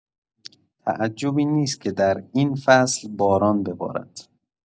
تعجبی نیست که در این فصل باران ببارد؛